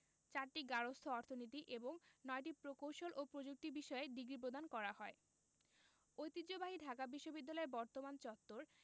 ৪টি গার্হস্থ্য অর্থনীতি এবং ৯টি প্রকৌশল ও প্রযুক্তি বিষয়ে ডিগ্রি প্রদান করা হয় ঐতিহ্যবাহী ঢাকা বিশ্ববিদ্যালয়ের বর্তমান চত্বর